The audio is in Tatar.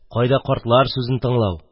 Кайда картлар сүзен тыңлау?